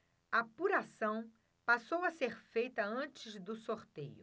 a apuração passou a ser feita antes do sorteio